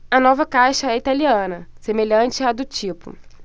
a nova caixa é italiana semelhante à do tipo